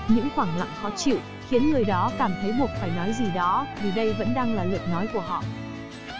những khoảng lặng khó chịu khiến người đó cảm thấy buộc phải nói gì đó vì đây vẫn đang là lượt nói của họ